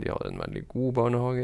De har en veldig god barnehage.